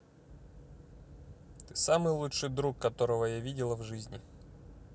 ты самый лучший друг которого я видела в жизни